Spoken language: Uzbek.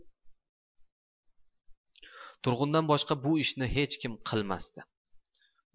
turg'undan boshqa bu ishni hech kim qilmasdi